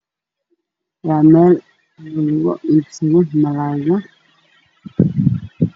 Waa meel laga iibsado malayga.